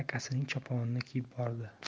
akasining choponini kiyib bordi